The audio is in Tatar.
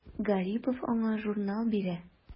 Гарипов аңа журнал бирә.